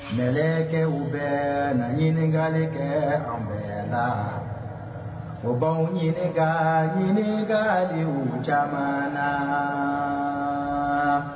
Kɛlɛkɛ u bɛ na ɲininkakale kɛ an bɛ la o b' ɲininkaka ɲininka u caman na